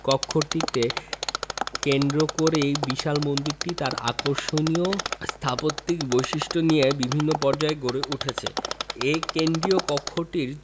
ক্ষটিকে কেন্দ্র করেই বিশাল মন্দিরটি তার আকর্ষণীয় স্থাপত্যিক বৈশিষ্ট্য নিয়ে বিভিন্ন পর্যায়ে গড়ে উঠেছে এ কেন্দ্রীয় কক্ষটির